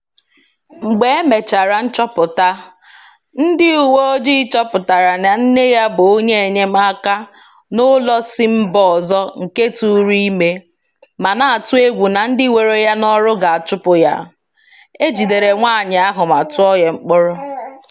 Mgbe emechara nchọpụta, ndị uwe ojii chọpụtara na nne ya bụ onye enyemaka n'ụlọ si mba ọzọ nke tụụrụ ime ma na-atụ egwu na ndị were ya n'ọrụ ga-achụpụ ya. E jidere nwaanyị ahụ ma tụọ ya mkpọrọ.